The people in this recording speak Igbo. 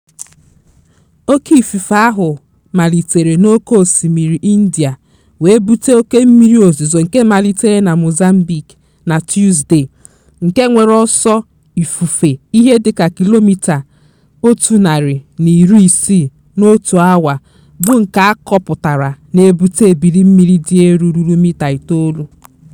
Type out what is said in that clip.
Oké ifufe ahụ malitere n'Oké Osimiri India wee bute oke mmiri ozuzo nke malitere na Mozambique na Tọzdee, nke nwere ọsọ ifufe ihe dịka kilomita 160 n'otu awa, bụ nke a kọpụtara na-ebute ebilimmiri dị elu ruru mita 9.